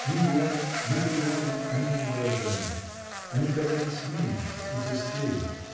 Ни горя, ни тревоги они не выражали; они казались меньше и тусклей.